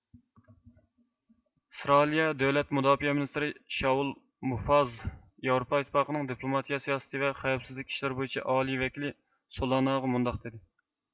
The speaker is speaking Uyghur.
ئىسرائىلىيە دۆلەت مۇداپىئە مىنىستىرى شاۋۇل مۇفاز ياۋروپا ئىتتىپاقىنىڭ دىپلوماتىيە سىياسىتى ۋە خەۋپسىزلىك ئىشلىرى بويىچە ئالىي ۋەكىلى سولاناغا مۇنداق دېدى